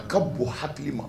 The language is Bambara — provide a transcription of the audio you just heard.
A ka bɔn hakili ma.